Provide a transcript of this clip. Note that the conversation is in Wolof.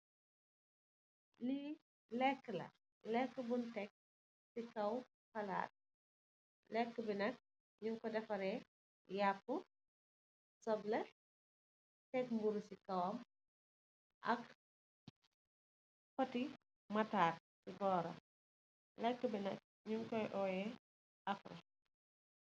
Li leka la, leka bung Tek c kaww palat. Leka bi nak nyung ko defarey yapu, sobleh, Tek mburu c kawam ak poti mutarda c boram, lekabi nak nyung ko oweh afra.